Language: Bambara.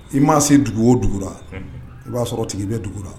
I m ma se dugu o dugura i b'a sɔrɔ tigi i bɛ dugu